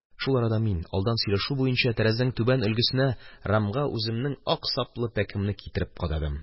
Шул арада мин, алдан сөйләшенү буенча, тәрәзәнең түбәнге өлгесенә, рамга үземнең ак саплы пәкемне китереп кададым.